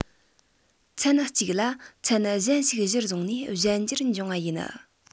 མཚན གཅིག ལ མཚན གཞན ཞིག གཞིར བཟུང ནས གཞན འགྱུར འབྱུང བ ཡིན